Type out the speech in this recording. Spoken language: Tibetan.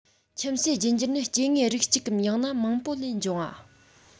ཁྱིམ གསོས རྒྱུད འགྱུར ནི སྐྱེ དངོས རིགས གཅིག གམ ཡང ན མང པོ ལས འབྱུང བ